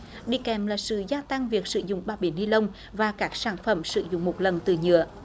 đi kèm là sự gia tăng việc sử dụng bao bì ni lông và các sản phẩm sử dụng một lần từ nhựa